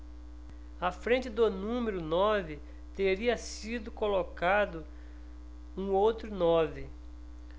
à frente do número nove teria sido colocado um outro nove